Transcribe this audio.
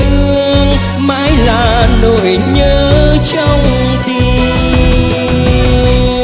hương mãi là nỗi nhớ trong tim